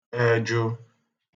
ẹjụ